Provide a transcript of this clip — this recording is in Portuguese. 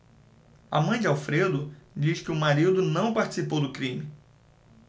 a mãe de alfredo diz que o marido não participou do crime